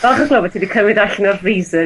falch o glywed ti 'di cymyd o allan o'r freezer